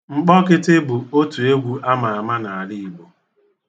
Mkpọkịtị bụ otu egwu a ma ama n'ala Igbo.